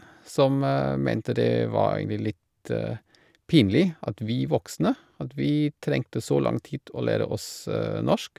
Som mente det var egentlig litt pinlig at vi voksne, at vi trengte så lang tid å lære oss norsk.